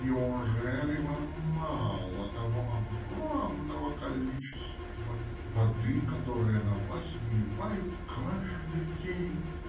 – Неужели вам мало того огромного количества воды, которое на вас выливают каждый день?